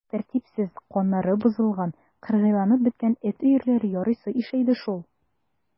Тәртипсез, каннары бозылган, кыргыйланып беткән эт өерләре ярыйсы ишәйде шул.